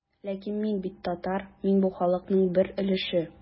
Ләкин мин бит татар, мин бу халыкның бер өлеше.